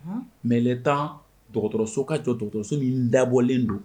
Mɛɛlɛ taa dɔgɔtɔrɔso ka jɔ dɔgɔtɔrɔso min dabɔlen don